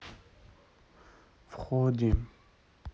выходим